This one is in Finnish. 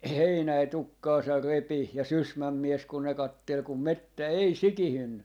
Heinänen tukkaansa repi ja Sysmän mies kun ne katseli kun metsä ei sikiyntynyt